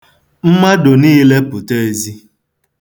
Mmadụ niile pụta ezi.